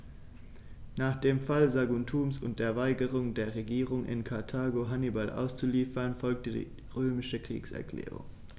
Nach dem Fall Saguntums und der Weigerung der Regierung in Karthago, Hannibal auszuliefern, folgte die römische Kriegserklärung.